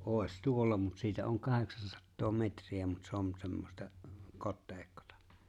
olisi tuolla mutta siitä on kahdeksansataa metriä mutta se on semmoista kosteikkoa